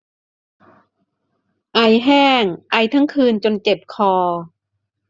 ไอแห้งไอทั้งคืนจนเจ็บคอ